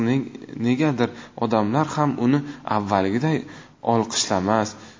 negadir odamlar ham uni avvalgiday olqishlamas